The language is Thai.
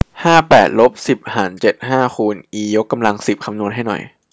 ห้าแปดลบสิบหารเจ็ดห้าคูณอียกกำลังสิบคำนวณให้หน่อย